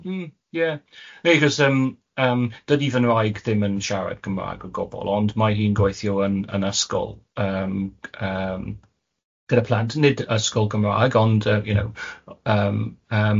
Hmm ie reit achos yym yym dydi fy nraig ddim yn siarad Cymraeg o gwbwl ond mae hi'n gwaithio yn yn ysgol yym yym gyda plant, nid ysgol Gymrag ond yy you know yym yym.